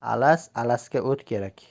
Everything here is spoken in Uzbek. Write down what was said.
alas alasga o't kerak